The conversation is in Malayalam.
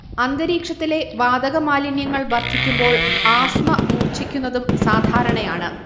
അന്തരീക്ഷത്തിലെ വാതകമാലിന്യങ്ങൾ വർദ്ധിക്കുമ്പോൾ ആസ്മ മൂർച്ഛിക്കുന്നതും സാധാരണയാണ്